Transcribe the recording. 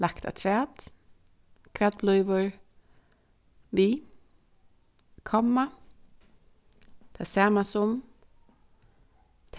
lagt afturat hvat blívur við komma tað sama sum